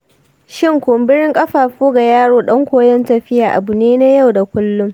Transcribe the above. shin kumburin ƙafafu ga yaro ɗan koyon tafiya abu ne na yau da kullum